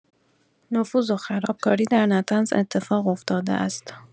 نفوذ و خرابکاری در نطنز اتفاق افتاده است